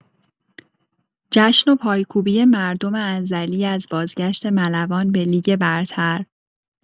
جشن و پایکوبی مردم انزلی از بازگشت ملوان به لیگ برتر